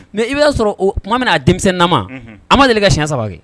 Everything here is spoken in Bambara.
Mɛ i'a sɔrɔ o tuma min aa denmisɛnnin denmisɛn nama an ma deli ka siɲɛyan saba kɛ